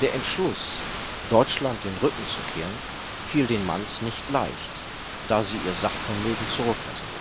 Entschluss, Deutschland den Rücken zu kehren, fiel den Manns nicht leicht, da sie ihr Sachvermögen zurücklassen